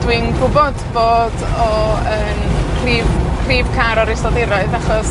Dwi'n gwbod bod o yn rhif, rhif car o'r Iseldiroedd achos